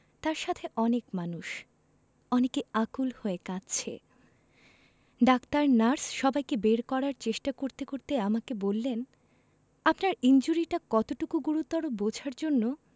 তার সাথে অনেক মানুষ অনেকে আকুল হয়ে কাঁদছে ডাক্তার নার্স সবাইকে বের করার চেষ্টা করতে করতে আমাকে বললেন আপনার ইনজুরিটা কতটুকু গুরুতর বোঝার জন্য